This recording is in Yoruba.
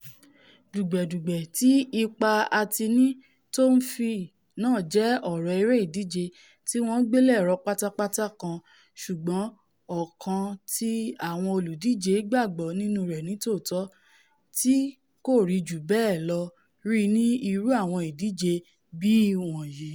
Dùgbẹ̀-dùgbẹ̀ ti ipá-atini tó ńfì náà jẹ ọ̀rọ̀ eré ìdíje tíwọ́n gbélẹ̀rọ pátápátá kan ṣùgbọ́n ọ̀kan tí àwọn olùdíje gbàgbọ́ nínú rẹ̀ nítòótọ̀, tí kòrí jù bẹ́ẹ̀ lọ rí ní irú àwọn ìdíje bíi ìwọ́nyí.